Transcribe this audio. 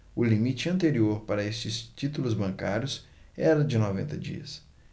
o limite anterior para estes títulos bancários era de noventa dias